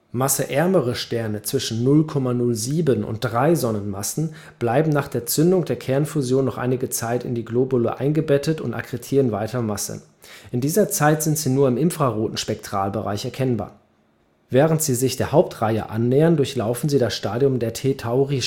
Masseärmere Sterne zwischen 0,07 und 3 Sonnenmassen bleiben nach der Zündung der Kernfusion noch einige Zeit in die Globule eingebettet und akkretieren weiter Masse. In dieser Zeit sind sie nur im infraroten Spektralbereich erkennbar. Während sie sich der Hauptreihe annähern, durchlaufen sie das Stadium der T-Tauri-Sterne